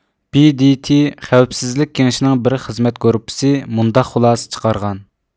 بې دې تې خەۋپسىزلىك كېڭىشىنىڭ بىر خىزمەت گۇرۇپپىسى مۇنداق خۇلاسە چىقارغان